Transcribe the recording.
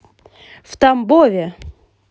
в тамбове